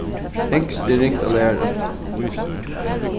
enskt er ringt at læra